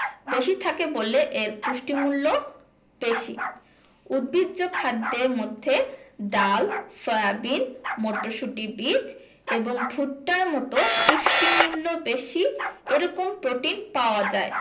বেশি থাকে বলে এর পুষ্টিমূল্য বেশি উদ্ভিজ্জ খাদ্যের মধ্যে ডাল সয়াবিন মটরশুটি বীজ এবং ভুট্টার মধ্যে পুষ্টিমূল্য বেশি এরকম প্রোটিন পাওয়া যায়